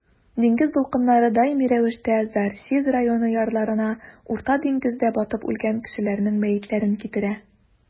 Диңгез дулкыннары даими рәвештә Зарзис районы ярларына Урта диңгездә батып үлгән кешеләрнең мәетләрен китерә.